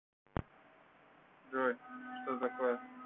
джой что такое